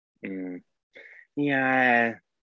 Ymm yeah.